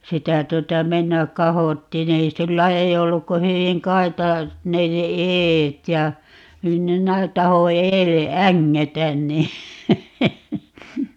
sitä tuota mennä kahottiin ei sillä ei ollut kuin hyvin kaitaiset ne sen edet ja - tahdo edelle ängetä niin